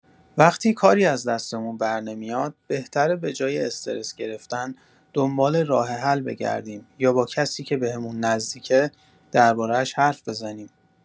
وقتی کاری از دستمون برنمیاد، بهتره به‌جای استرس گرفتن، دنبال راه‌حل بگردیم یا با کسی که بهمون نزدیکه، درباره‌اش حرف بزنیم.